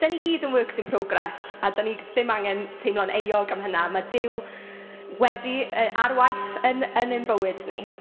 Dan ni gyd yn works in progress, a dan ni g- ddim angen teimlo'n euog am hynna. Ma' Duw wedi... yy, ar waith yn yn ein bywyd ni.